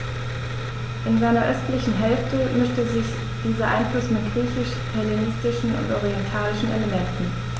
In seiner östlichen Hälfte mischte sich dieser Einfluss mit griechisch-hellenistischen und orientalischen Elementen.